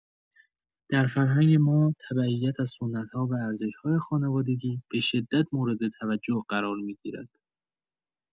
در فرهنگ ما، تبعیت از سنت‌ها و ارزش‌های خانوادگی به‌شدت مورد توجه قرار می‌گیرد.